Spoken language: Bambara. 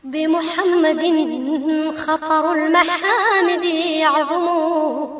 Denmumugɛnintangɛnin yo